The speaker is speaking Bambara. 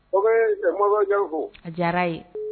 O bɛ Mama Ballon fo a diyara ye I'll